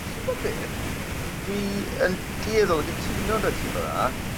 Ti'n gwbod beth yy dwi yn dueddol o gytuno 'da ti fel 'a.